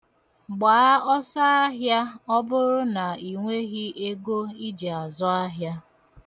Gbaa ọsọahịa ọ bụru na ị nweghị ego iji azụ ahịa.